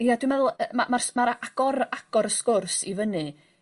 ...ia dwi me'wl yy ma'r s' ma'r agor agor y sgwrs i fyny